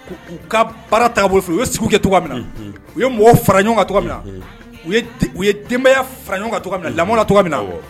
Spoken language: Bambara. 'u ka baara taabolo u ye suguke tɔgɔ u ye mɔgɔ fara ɲɔgɔnka tɔgɔ min u ye denbayaya fara ɲɔgɔnka lamɔ tɔgɔ min na wa